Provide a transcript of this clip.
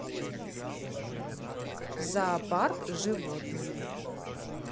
зоопарк животные